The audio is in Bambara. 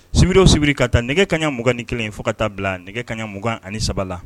Sibidonw sibiri ka ta nɛgɛ kaɲaugan ni kelen in fo ka taa bila nɛgɛ kaɲaugan ani saba la